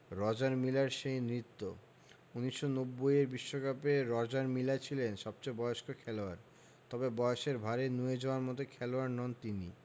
Roger মিলার সেই নৃত্য ১৯৯০ এর বিশ্বকাপে রজার মিলা ছিলেন সবচেয়ে বয়স্ক খেলোয়াড় তবে বয়সের ভাঁড়ে নুয়ে যাওয়ার মতো খেলোয়াড় নন তিনি